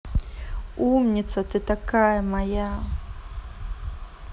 умница ты такая моя